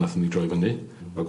Nathon ni droi fynny mewn...